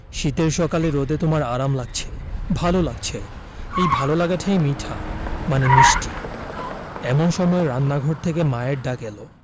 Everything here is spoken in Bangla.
শীতের সকালে রোদে তোমার আরাম লাগছে ভালো লাগছে এই ভালো লাগাটাই মিঠা মানে মিষ্টি এমন সময় রান্নাঘর থেকে মায়ের ডাক এলো